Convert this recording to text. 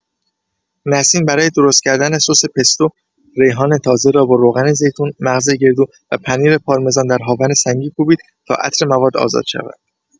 نسیم برای درست‌کردن سس پستو، ریحان تازه را با روغن‌زیتون، مغز گردو و پنیر پارمزان در هاون سنگی کوبید تا عطر مواد آزاد شود.